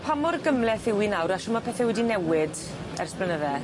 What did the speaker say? Pa mor gymleth yw 'i nawr a shw ma' pethe wedi newid ers blynydde?